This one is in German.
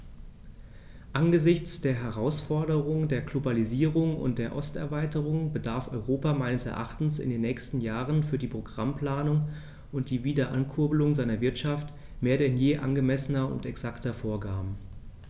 Angesichts der Herausforderung der Globalisierung und der Osterweiterung bedarf Europa meines Erachtens in den nächsten Jahren für die Programmplanung und die Wiederankurbelung seiner Wirtschaft mehr denn je angemessener und exakter Vorgaben.